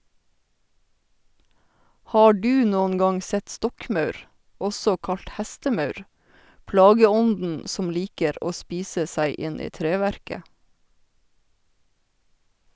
Har du noen gang sett stokkmaur, også kalt hestemaur, plageånden som liker å spise seg inn i treverket?